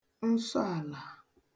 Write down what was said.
nsọ àlà